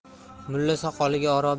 mulla soqoliga oro